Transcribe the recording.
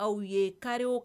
Aw ye kari o